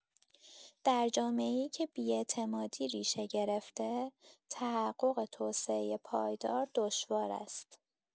در جامعه‌ای که بی‌اعتمادی ریشه گرفته، تحقق توسعه پایدار دشوار است.